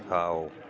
waawaaw